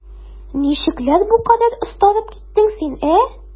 Ничекләр бу кадәр остарып киттең син, ә?